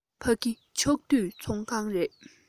ཕ གི ཕྱོགས བསྡུས ཚོགས ཁང རེད